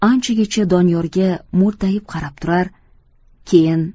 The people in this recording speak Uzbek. anchagacha doniyorga mo'ltayib qarab turar